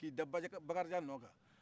k'i da bakarijan nɔ kan